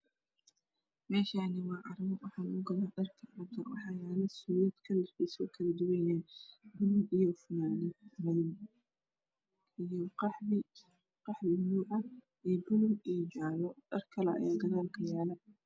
Meeshaan waa carwo waxaa lugu gadaa dharka raga waxaa yaalo suud kalarkiisu kala duwan yahay iyo fanaanad madow, qaxwi, madow gaduud iyo jaalo dhar kale ayaa gadaal kayaala.